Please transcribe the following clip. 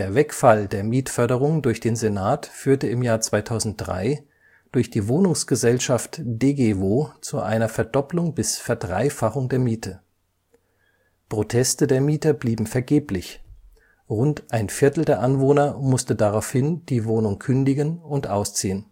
Wegfall der Mietförderung durch den Senat führte im Jahr 2003 durch die Wohnungsgesellschaft degewo zu einer Verdopplung bis Verdreifachung der Miete. Proteste der Mieter blieben vergeblich, rund ein Viertel der Anwohner musste daraufhin die Wohnung kündigen und ausziehen